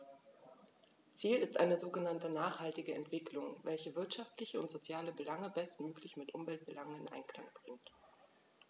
Ziel ist eine sogenannte nachhaltige Entwicklung, welche wirtschaftliche und soziale Belange bestmöglich mit Umweltbelangen in Einklang bringt.